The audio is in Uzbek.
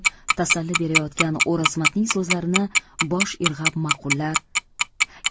tasalli berayotgan o'rozmatning so'zlarini bosh irg'ab ma'qullar